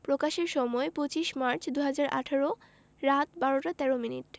প্রকাশের সময় ২৫মার্চ ২০১৮ রাত ১২ টা ১৩ মিনিট